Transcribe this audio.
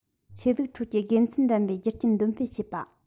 ཆོས ལུགས ཁྲོད ཀྱི དགེ མཚན ལྡན པའི རྒྱུ རྐྱེན འདོན སྤེལ བྱེད པ